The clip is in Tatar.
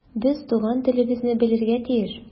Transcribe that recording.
Без туган телебезне белергә тиеш.